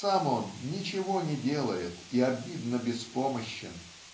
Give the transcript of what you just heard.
сам он ничего не делает и обидно беспомощен.